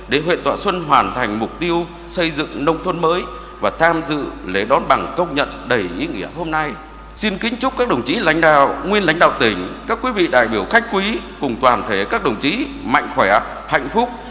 để huyện thọ xuân hoàn thành mục tiêu xây dựng nông thôn mới và tham dự lễ đón bằng công nhận đầy ý nghĩa hôm nay xin kính chúc các đồng chí lãnh đạo nguyên lãnh đạo tỉnh các quý vị đại biểu khách quý cùng toàn thể các đồng chí mạnh khỏe hạnh phúc